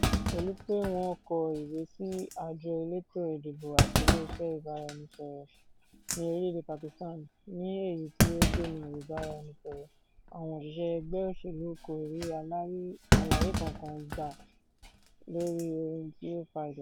Pẹ̀lú pé wọ́n kọ ìwé sí àjọ elétò ìdìbò àti Ilé Iṣẹ́ Ìbáraẹnisọ̀rọ̀ ní orílẹ́ èdè Pakistan (ní èyí tí ó dènà ìbáraẹnisọ̀rọ̀), àwọn òṣìṣẹ́ ẹgbẹ́ òṣèlú kò rí àlàyé kankan gba lórí ohun tí ó fa ìdènà náà.